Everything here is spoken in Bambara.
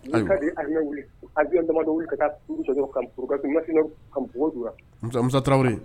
Musa de ye avion wuli, avion damadɔ wuli, ka taa tour cɛ dɔrɔn <, Masina, ka npogo don u la, Musa Tarawele.